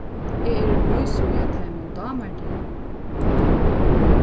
eg eri vís í at teimum dámar teg